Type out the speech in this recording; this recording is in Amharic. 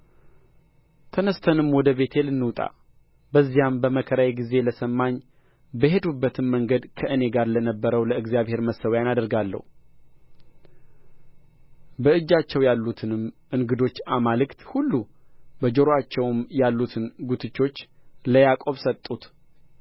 ተነሥተንም ወደ ቤቴል እንውጣ በዚያም በመከራዬ ጊዜ ለሰማኝ በሄድሁበትም መንገድ ከእኔ ጋር ለነበረው ለእግዚአብሔር መሠውያን አደርጋለሁ በእጃቸው ያሉትንም እንግዶችን አማልክት ሁሉ በጆሮአቸውም ያሉትን ጕትቾች ለያዕቆብ ሰጡት